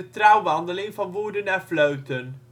Trouw wandeling van Woerden naar Vleuten